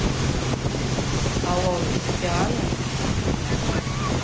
алло кристиана